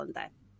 ynde?